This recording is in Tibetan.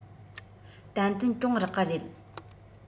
ཏན ཏན གྱོང རག གི རེད